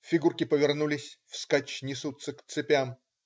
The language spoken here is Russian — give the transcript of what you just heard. Фигурки повернулись, вскачь несутся к цепям.